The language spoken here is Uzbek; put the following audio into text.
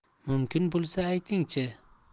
mumkin bo'lsa aytingchi